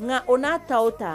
Nka o n'a ta ta